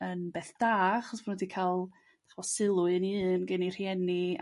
yn beth da achos bo' nhw 'di ca'l ch'mo' sylw un i un gin 'u rhieni